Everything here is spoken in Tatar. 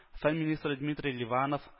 Фән министры дмитрий ливанов